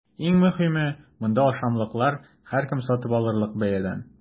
Иң мөһиме – монда ашамлыклар һәркем сатып алырлык бәядән!